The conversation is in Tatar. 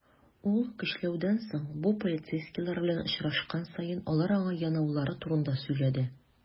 Ул, көчләүдән соң, бу полицейскийлар белән очрашкан саен, алар аңа янаулары турында сөйләде.